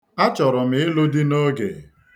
Achọrọ m ịlụ di n'oge.